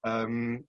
yym